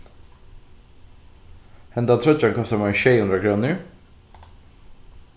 henda troyggjan kostar meira enn sjey hundrað krónur